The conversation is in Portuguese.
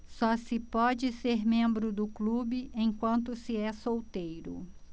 só se pode ser membro do clube enquanto se é solteiro